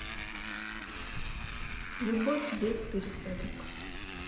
любовь без пересадок